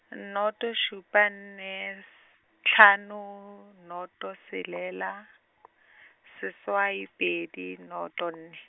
noto šupa nne s-, tlhano, noto, tshelela , seswai pedi noto, nne.